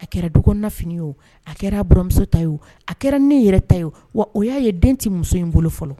A kɛra dukɔnɔna fini ye o, a kɛra a buranmuso ta ye o a kɛra ne yɛrɛ ta ye o wa o y'a ye den ti muso in bolo fɔlɔ.